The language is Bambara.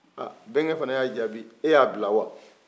a bɛnkɛ fana y'a jaabi e y'a bila wa